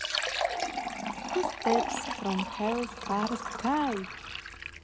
two steps from hell star sky